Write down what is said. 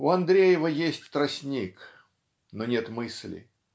У Андреева есть тростник, но нет мысли.